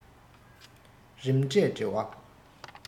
རིམ གྲས འབྲེལ བ